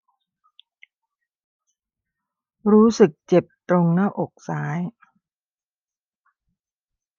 รู้สึกเจ็บตรงหน้าอกซ้าย